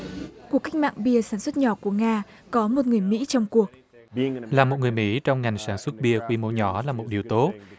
cuộc cách mạng bia sản xuất nhỏ của nga có một người mỹ trong cuộc là một người mỹ trong ngành sản xuất bia quy mô nhỏ là một điều tốt